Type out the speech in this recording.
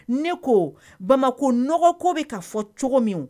Ne ko bamakɔ n nɔgɔ ko bɛ' fɔ cogo min